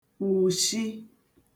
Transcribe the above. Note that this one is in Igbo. wùshi